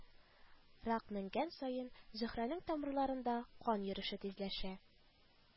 Рак менгән саен, зөһрәнең тамырларында кан йөреше тизләшә